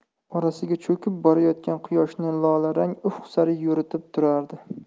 orasiga cho'kib borayotgan quyoshni lolarang ufq sari yo'ritib turardi